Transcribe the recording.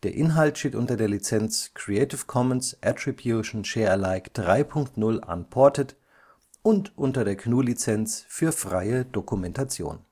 Inhalt steht unter der Lizenz Creative Commons Attribution Share Alike 3 Punkt 0 Unported und unter der GNU Lizenz für freie Dokumentation